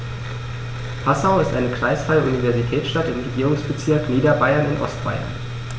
Passau ist eine kreisfreie Universitätsstadt im Regierungsbezirk Niederbayern in Ostbayern.